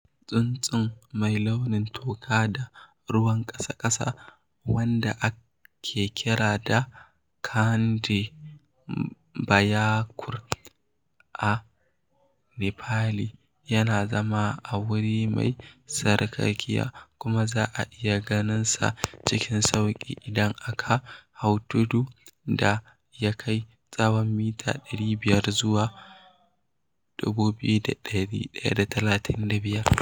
Tsuntsun mai launin toka da ruwan ƙasa-ƙasa, wanda ake kira da Kaande Bhyakur a Nepali, yana zama a wuri mai sarƙaƙiya kuma za a iya ganin sa cikin sauƙi idan aka hau tudu da ya kai tsawo mita 500 zuwa 2135.